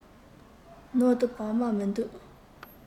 ནང དུ བག མ མི འདུག